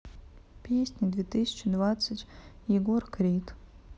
песни две тысячи двадцать егор крид